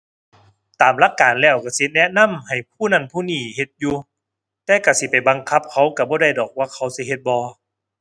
ตามหลักการแล้วก็สิแนะนำให้ผู้นั้นผู้นี้เฮ็ดอยู่ แต่ก็สิไปบังคับเขาก็บ่ได้ดอกว่าเขาสิเฮ็ดบ่